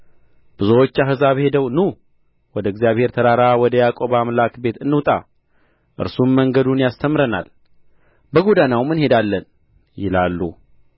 ብዙዎች አሕዛብ ሄደው ኑ ወደ እግዚአብሔር ተራራ ወደ ያዕቆብ አምላክ ቤት እንውጣ እርሱም መንገዱን ያስተምረናል በጎዳናውም እንሄዳለን ይላሉ